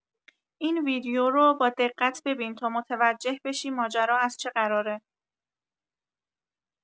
این ویدیو رو با دقت ببین تا متوجه بشی ماجرا از چه قراره